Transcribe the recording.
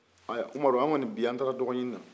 aya umaru an kɔni bi an taara dɔgɔɲini na